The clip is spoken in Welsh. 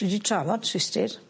Dwi 'di trafod Swistir.